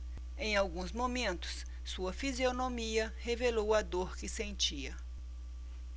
em alguns momentos sua fisionomia revelou a dor que sentia